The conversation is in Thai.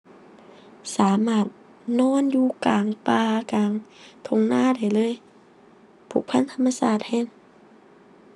สามารถนอนอยู่กลางป่า กลางทุ่งนาได้เลย ผูกพันธรรมชาติทุ่ง